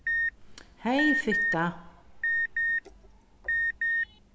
hey fitta